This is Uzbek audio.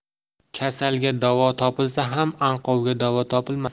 kasalga davo topilsa ham anqovga davo topilmas